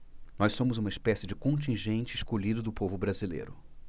nós somos uma espécie de contingente escolhido do povo brasileiro